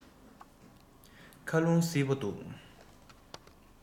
ཁ རླུང བསིལ པོ འདུག